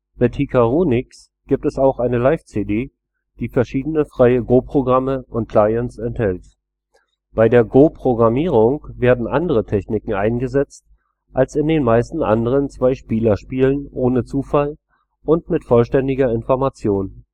Mit Hikarunix gibt es auch eine Live-CD, die verschiedene freie Go-Programme und Clients enthält. In der Goprogrammierung werden andere Techniken eingesetzt als in den meisten anderen Zweispielerspielen ohne Zufall und mit vollständiger Information